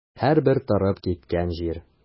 Һәрбер торып киткән җир.